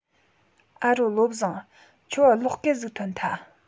ཨ རོ བློ བཟང ཁྱོའ གློག སྐད ཟིག ཐོན ཐལ